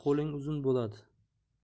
qo'ling uzun bo'ladi